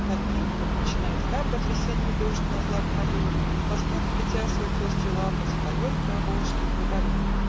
Под ним (как начинает капать Весенний дождь на злак полей) Пастух, плетя свой пестрый лапоть, Поет про волжских рыбарей